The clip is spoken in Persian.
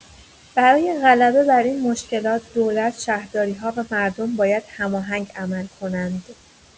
برای غلبه بر این مشکلات، دولت، شهرداری‌ها و مردم باید هماهنگ عمل کنند.